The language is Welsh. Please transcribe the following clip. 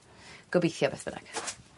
Gobeithio beth bynnag.